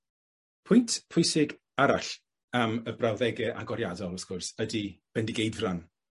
Pwynt pwysig arall am y brawddege agoriadol wrth gwrs ydi Bendigeidfran